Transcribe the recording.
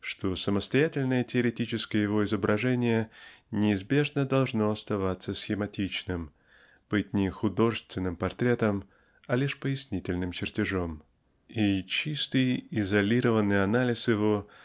что самостоятельное теоретическое его изображение неизбежно должно оставаться схематичным быть не художественным портретом а лишь пояснительным чертежом и чистый изолированный анализ его